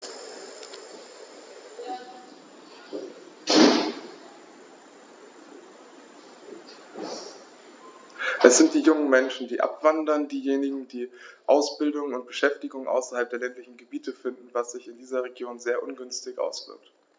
Es sind die jungen Menschen, die abwandern, diejenigen, die Ausbildung und Beschäftigung außerhalb der ländlichen Gebiete finden, was sich in diesen Regionen sehr ungünstig auswirkt.